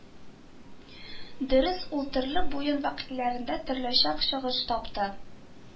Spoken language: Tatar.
Дөрес, ул төрле буын вәкилләрендә төрлечәрәк чагылыш тапты,